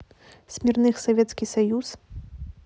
смирных советский союз